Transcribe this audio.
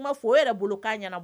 N fo o yɛrɛ bolo k' ɲɛna